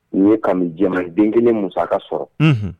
den kelen musaka sɔrɔ.